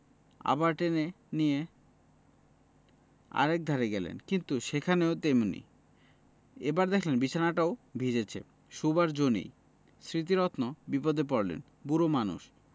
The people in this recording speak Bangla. আবার টেনে নিয়ে আর একধারে গেলেন কিন্তু সেখানেও তেমনি এবার দেখলেন বিছানাটাও ভিজেছে শোবার জো নেই স্মৃতিরত্ন বিপদে পড়লেন বুড়ো মানুষ